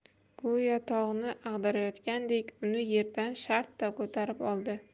go'yo tog'ni ag'darayotgandek uni yerdan shartta ko'tarib oldi